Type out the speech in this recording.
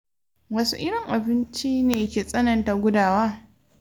wasu irin abinci ne ke tsananta gudawa?